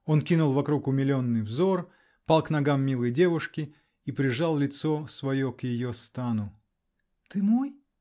Он кинул вокруг умиленный взор, пал к ногам милой девушки и прижал лицо свое к ее стану. -- Ты мой?